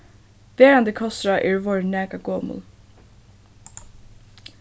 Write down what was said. verandi kostráð eru vorðin nakað gomul